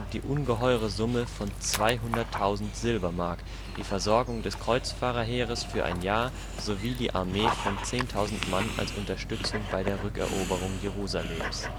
die ungeheure Summe von 200.000 Silbermark, die Vorsorgung des Kreuzfahrerheeres für ein Jahr sowie eine Armee von 10.000 Mann als Unterstützung bei der Rückeroberung Jerusalems